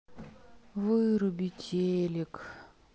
выруби телек